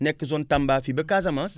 nekk zone Tamba fii ba Casamance